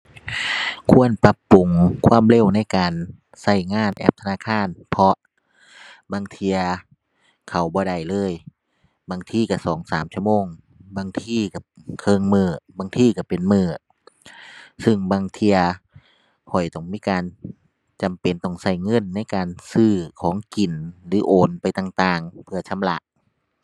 ควรปรับปรุงความเร็วในการใช้งานแอปธนาคาร เพราะ บางเที่ยเข้าบ่ได้เลย บางทีใช้สองสามชั่วโมง บางทีใช้ใช้มื้อ บางทีใช้เป็นมื้อ ซึ่งบางเที่ย ข้อยต้องมีการจำเป็นต้องใช้เงินในการซื้อของกิน หรือโอนไปต่างต่างเพื่อชำระ